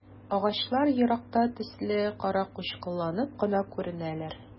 Агачлар еракта төсле каракучкылланып кына күренәләр.